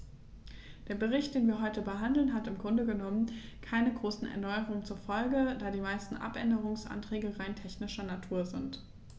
Der Bericht, den wir heute behandeln, hat im Grunde genommen keine großen Erneuerungen zur Folge, da die meisten Abänderungsanträge rein technischer Natur sind.